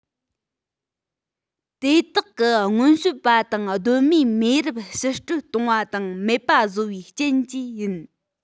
དེ དག གི སྔོན བྱོན པ དང གདོད མའི མེས རབས ཕྱིར སྐྲོད གཏོང བ དང མེད པ བཟོ བའི རྐྱེན གྱིས ཡིན